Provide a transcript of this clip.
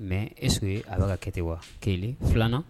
Mais, est - ce que a bɛ ka kɛ tan wa 1 ;2 nan.